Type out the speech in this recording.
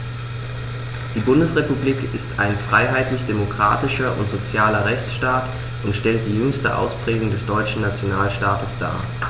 Die Bundesrepublik ist ein freiheitlich-demokratischer und sozialer Rechtsstaat und stellt die jüngste Ausprägung des deutschen Nationalstaates dar.